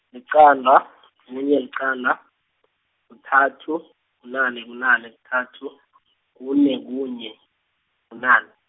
liqanda, kunye, liqanda, kuthathu, kunane, kunane, kuthathu, kune, kunye, kunana.